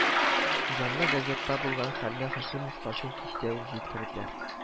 Җанлы газетта булган хәлне Һашимовка шул кичтә үк җиткерделәр